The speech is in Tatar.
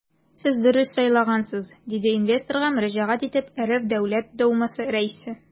Сез дөрес сайлагансыз, - диде инвесторга мөрәҗәгать итеп РФ Дәүләт Думасы Рәисе.